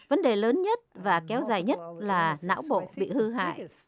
vấn đề lớn nhất và kéo dài nhất là não bộ bị hư hại